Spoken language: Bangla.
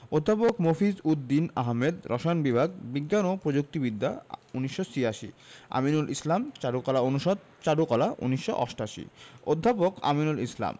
অধ্যাপক মফিজ উদ দীন আহমেদ রসায়ন বিভাগ বিজ্ঞান ও প্রযুক্তি বিদ্যা ১৯৮৬ আমিনুল ইসলাম চারুকলা অনুষদ চারুকলা ১৯৮৮ অধ্যাপক আমিনুল ইসলাম